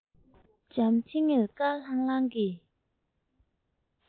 འཇམ ཐིང ངེར དཀར ལྷང ལྷང གི